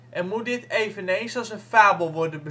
en moet dit eveneens als een fabel worden